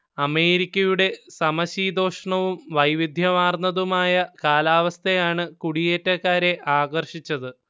അമേരിക്കയൂടെ സമശീതോഷ്ണവും വൈവിധ്യമാർന്നതുമായ കാലവസ്ഥയയണ് കൂടിയേറ്റക്കാരെ ആകർഷിച്ചത്